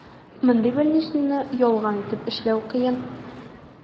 Мондый больничныйны ялган итеп эшләү кыен.